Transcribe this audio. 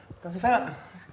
con xin phép